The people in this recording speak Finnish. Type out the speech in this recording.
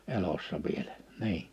elossa vielä niin